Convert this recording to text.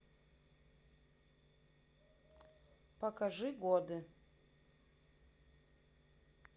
покажи годы